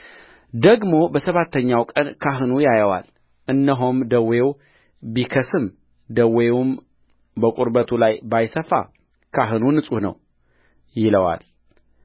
ደግሞ በሰባተኛው ቀን ካህኑ ያየዋል እነሆም ደዌው ቢከስም ደዌውም በቁርበቱ ላይ ባይሰፋ ካህኑ ንጹሕ ነው ይለዋል